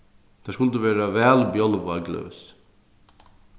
tað skuldu verið væl bjálvað gløs